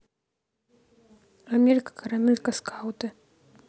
амелька карамелька скауты